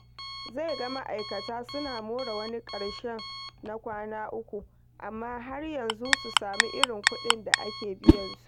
Zai ga ma'aikata suna more wani ƙarshen na kwana uku - amma har yanzu su sami irin kuɗin da ake biyansu.